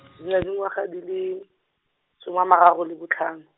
ye ya dingwaga di le, soma a mararo le botlhano.